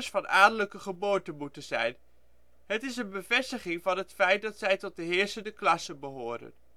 van adellijke geboorte moeten zijn. Het is een bevestiging van het feit dat zij tot de heersende klasse behoren